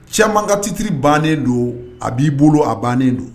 Cɛman ka titiriri bannen don a b'i bolo a bannen don